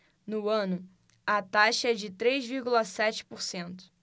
no ano a taxa é de três vírgula sete por cento